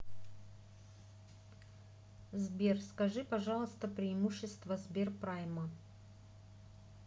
сбер скажи пожалуйста преимущество сберпрайма